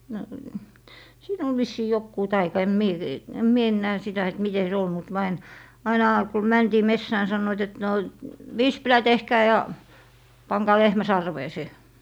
no siinä oli vissiin joku taika en minä en minä enää sitä että miten se oli mutta me aina aina kun mentiin metsään niin sanoivat että no vispilä tehdään ja pankaa lehmän sarveen se